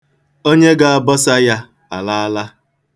Onye ga-abọsa ya alaala.